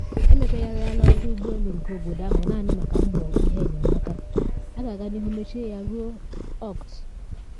Emepegharịala ọdụ ụgbọ elu nke obodo ahụ naanị maka mbọ ihe enyemaka, a ga-aga n’ihu mechie ya ruo Ọkt.